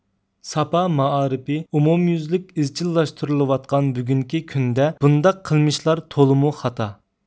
ساپا مائارىپى ئومۇميۈزلۈك ئىزچىللاشتۇرۇلۇۋاتقان بۈگۈنكى كۈندە بۇنداق قىلمىشلار تولىمۇ خاتا